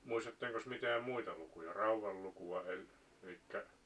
muistattekos mitään muita lukuja raudanlukua - eli